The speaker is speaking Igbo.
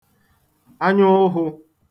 anyaụhụ̄